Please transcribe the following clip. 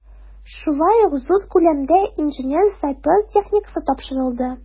Шулай ук зур күләмдә инженер-сапер техникасы тапшырылды.